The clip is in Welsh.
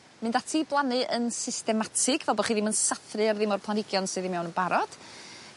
mynd ati blannu yn systematig fel bo' chi ddim yn sathru ar ddim o'r planigion sydd i mewn yn barod